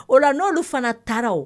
O la n'olu fana taara o